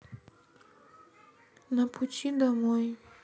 на пути домой